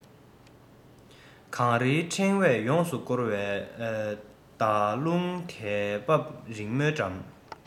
གངས རིའི འཕྲེང བས ཡོངས སུ བསྐོར བའི ཟླ ཀླུང དལ འབབ རིང མོས འགྲམ